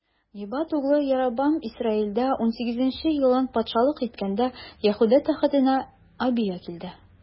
Небат углы Яробам Исраилдә унсигезенче елын патшалык иткәндә, Яһүдә тәхетенә Абия килде.